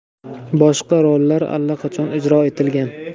boshqa rollar allaqachon ijro etilgan